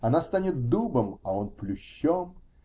Она станет дубом, а он-- плющом.